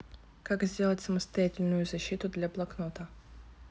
как сделать самостоятельную защиту для блокнота